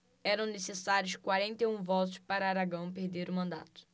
eram necessários quarenta e um votos para aragão perder o mandato